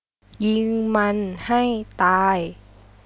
ยิงมันให้ตาย